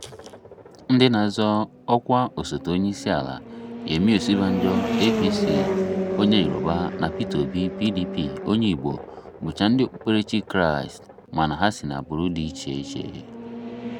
Ndị na-azọ ọkwa osote onyeisiala - Yemi Osibanjo (APC), onye Yoruba, na Peter Obi (PDP), onye Igbo, bụcha Ndị okpukperechi Kraịst - mana ha si n'agbụrụ dị icheiche.